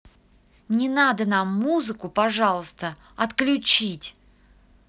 не надо нам музыку пожалуйста отключить